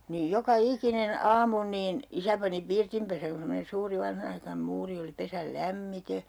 niin joka ikinen aamu niin isä pani pirtinpesän kun semmoinen suuri vanhanaikainen muuri oli pesän lämmiten